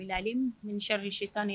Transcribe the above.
Ale ni sarisi tan